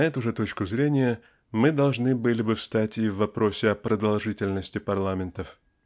И на эту же точку зрения мы должны были бы стать и в вопросе о продолжительности парламентов.